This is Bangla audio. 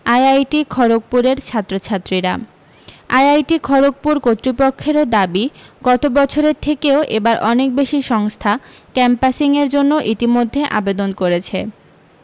আইআইটি খড়গপুরের ছাত্র ছাত্রীরা আইআইটি খড়গপুর কর্তৃপক্ষেরও দাবি গতবছরের থেকেও এবার অনেক বেশী সংস্থা ক্যাম্পাসিং এর জন্য ইতিমধ্যে আবেদন করেছে